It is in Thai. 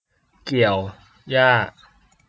เกี่ยวหญ้า